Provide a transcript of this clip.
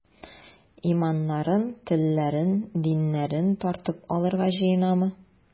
Иманнарын, телләрен, диннәрен тартып алырга җыенамы?